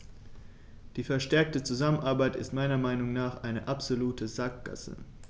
Die verstärkte Zusammenarbeit ist meiner Meinung nach eine absolute Sackgasse.